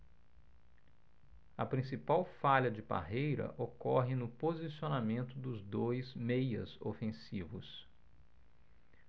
a principal falha de parreira ocorre no posicionamento dos dois meias ofensivos